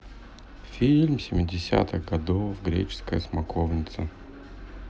фильм семидесятых годов греческая смоковница